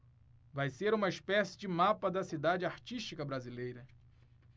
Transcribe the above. vai ser uma espécie de mapa da cidade artística brasileira